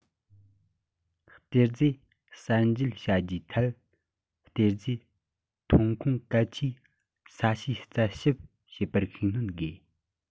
གཏེར རྫས གསར འབྱེད བྱ རྒྱུའི ཐད གཏེར རྫས ཐོན ཁུངས གལ ཆེའི ས གཤིས རྩད ཞིབ བྱེད པར ཤུགས སྣོན དགོས